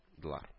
Дылар